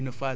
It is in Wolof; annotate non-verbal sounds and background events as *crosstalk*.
*hesitation* *hesitation*